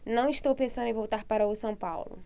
não estou pensando em voltar para o são paulo